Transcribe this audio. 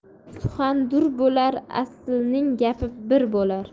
suxan dur bo'lar aslning gapi bir bo'lar